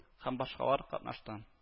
Һәм башкалар катнашты